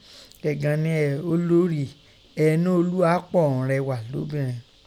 Ẹgan ni hẹ̀ẹ̀, olorì Ẹ̀ẹ́núọlúapọ̀ ọ̀ún rẹghà lobinrin.